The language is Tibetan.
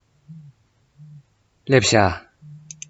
སླེབས བཞག